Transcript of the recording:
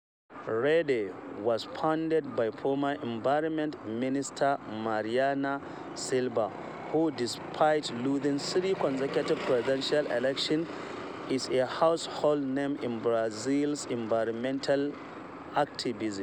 Rede was founded by former Environment Minister Marina Silva, who despite losing three consecutive presidential elections is a household name in Brazil's environmental activism.